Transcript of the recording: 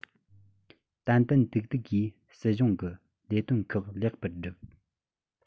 ཏན ཏན ཏིག ཏིག གིས སྲིད གཞུང གི ལས དོན ཁག ལེགས པར བསྒྲུབ